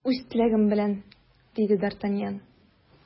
Үз теләгем белән! - диде д’Артаньян.